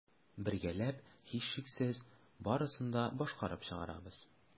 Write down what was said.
Бергәләп, һичшиксез, барысын да башкарып чыгачакбыз.